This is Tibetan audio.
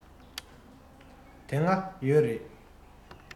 དེ སྔ ཡོད རེད